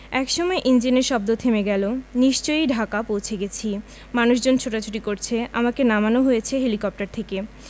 একসময় ইঞ্জিনের শব্দ থেমে গেলো নিশ্চয়ই ঢাকা পৌঁছে গেছি মানুষজন ছোটাছুটি করছে আমাকে নামানো হয়েছে হেলিকপ্টার থেকে